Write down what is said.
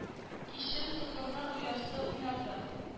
Кичен козгыннар оясы уйнадык